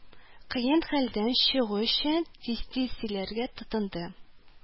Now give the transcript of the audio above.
Кыен хәлдән чыгу өчен тиз-тиз сөйләргә тотынды